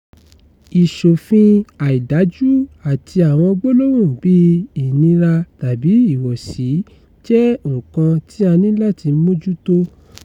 Ìṣòfin àìdájú àti àwọn gbólóhùn bíi "ìnira" tàbí "ìwọ̀sí" jẹ́ nǹkan tí a ní láti mójútó.